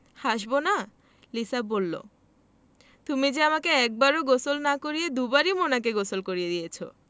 হাসবোনা লিসা বললো তুমি যে আমাকে একবারও গোসল না করিয়ে দুবারই মোনাকে গোসল করিয়ে এনেছো